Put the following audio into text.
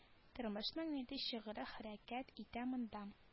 Тормышның нинди чыгыры хәрәкәт итә монда